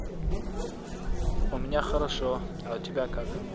у меня хорошо а у тебя как